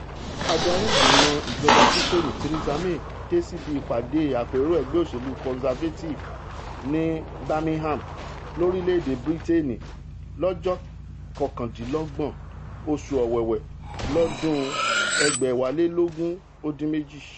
Adarí Ìgbìmọ̀ Ìjọba Briteeni Theresa May dé síbi ipade Àpèro Ẹgbẹ́ Òṣèlu Conservàtive ní Birmingham, lórilẹ-ede Briteeni, lọ́jọ́ kọkàndínlọ́gbọ́n, oṣù Ọ̀wẹ̀wẹ̀, lọ́dún 2018.